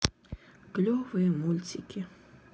клевые мультики